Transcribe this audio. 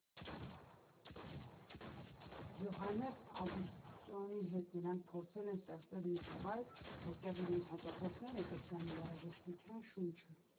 Յոհաննես Ագուստսոնի հետ նրանք փորձել են ստեղծել միջավայր, որտեղ իրենց հաճախորդները կզգան երաժշտության շունչը։